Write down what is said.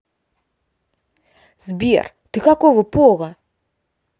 сбер ты какого пола